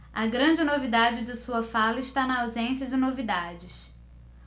a grande novidade de sua fala está na ausência de novidades